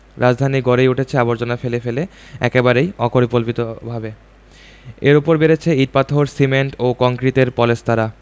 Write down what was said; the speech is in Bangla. রাজধানী গড়েই উঠেছে আবর্জনা ফেলে ফেলে একেবারেই অকরিপল্পিতভাবে এর ওপর পড়েছে ইট পাথর সিমেন্ট ও কংক্রিটের পলেস্তারা